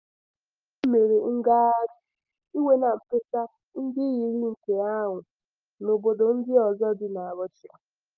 E mere ngagharị iwe na mkpesa ndị yiri nke ahụ n'obodo ndị ọzọ dị na Russia.